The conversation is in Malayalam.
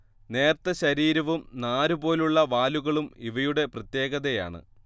നേർത്ത ശരീരവും നാരുപോലുള്ള വാലുകളും ഇവയുടെ പ്രത്യേകതയാണ്